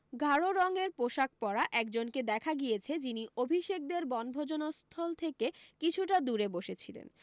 গাড়হ রংয়ের পোষাক পরা একজনকে দেখা গিয়েছে যিনি অভিষেকদের বনভোজনস্থল থেকে কিছুটা দূরে বসেছিলেন